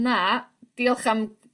na, diolch am